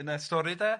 yn y stori 'de.